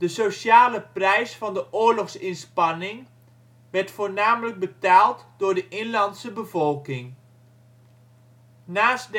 sociale prijs van de oorlogsinspanning werd voornamelijk betaald door de inlandse bevolking. Het vroegere filiaal van de Bank van Belgisch-Kongo in Coquilhatstad - nu Mbandaka (foto 2008). Na